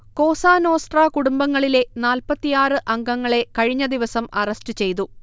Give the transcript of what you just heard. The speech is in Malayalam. കോസാനോസ്ട്രാ കുടുംബങ്ങളിലെ നാല്പത്തിയാറ്‌ അംഗങ്ങളെ കഴിഞ്ഞദിവസം അറസ്റ്റ് ചെയ്തു